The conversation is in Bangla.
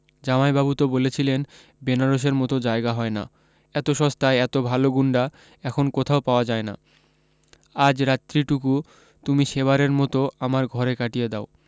জামাইবাবু তো বলছিলেন বেনারসের মতো জায়গা হয় না এত সস্তায় এতো ভালো গুণ্ডা এখন কোথাও পাওয়া যায় না আজ রাত্রিটুকু তুমি সেবারের মতো আমার ঘরে কাটিয়ে দাও